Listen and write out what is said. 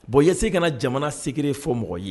Bon yese ka jamanasere fɔ mɔgɔ ye